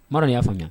Tunkara y'a faamuya